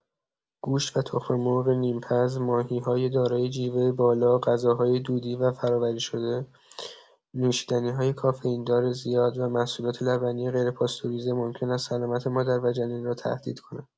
گوشت و تخم‌مرغ نیم‌پز، ماهی‌های دارای جیوه بالا، غذاهای دودی و فرآوری‌شده، نوشیدنی‌های کافئین‌دار زیاد و محصولات لبنی غیرپاستوریزه ممکن است سلامت مادر و جنین را تهدید کنند.